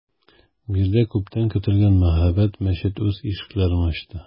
Биредә күптән көтелгән мәһабәт мәчет үз ишекләрен ачты.